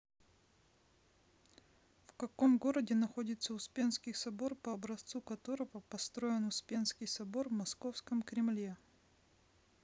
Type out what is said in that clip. в каком городе находится успенский собор по образцу которого построен успенский собор в московском кремле